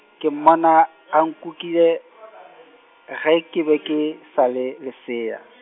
ke mmona, a nkukile, ge ke be ke sa le, lesea .